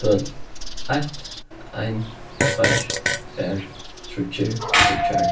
tøl eitt ein tveir tvær tríggir tríggjar